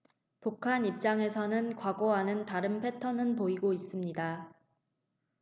북한 입장에서는 과거와는 다른 패턴은 보이고 있습니다